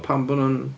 Pam bod nhw'n...